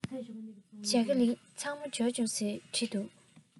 ཇ ག ལི ཚང མ འབྱོར བྱུང